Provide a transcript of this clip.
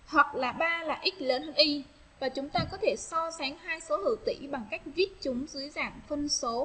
hoặc là là x chúng ta có thể so sánh hai số hữu tỉ bằng cách viết chúng dưới dạng phân số